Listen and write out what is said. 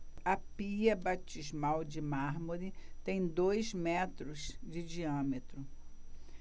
a pia batismal de mármore tem dois metros de diâmetro